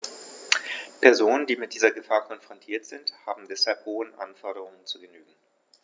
Personen, die mit dieser Gefahr konfrontiert sind, haben deshalb hohen Anforderungen zu genügen.